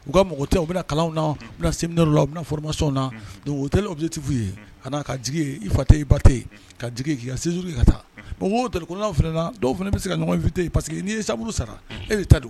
U ka mɔgɔ tɛ yen, u bɛna kalan na, u bena seminaires la, u bena formation na, donc hotel objectifs ye ka na ka jigin yen ,i fa te yen i ba tɛ yen ka jigin ye k'i ka sejour kɛ ka taa, bon o hotel kɔnɔna fana dɔw bɛ se ka ɲɔngɔ invité parce que n'i ye chambre sara e de ta don.